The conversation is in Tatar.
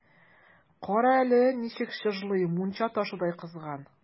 Кара әле, ничек чыжлый, мунча ташыдай кызган!